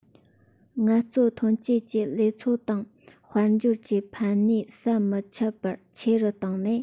ངལ རྩོལ ཐོན སྐྱེད ཀྱི ལས ཆོད དང དཔལ འབྱོར གྱི ཕན ནུས ཟམ མི ཆད པར ཆེ རུ བཏང ནས